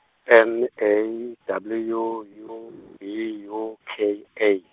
M A W U B U K A.